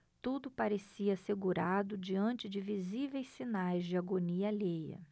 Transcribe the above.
tudo parecia assegurado diante de visíveis sinais de agonia alheia